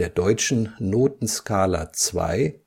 Deutsche Notenskala: 2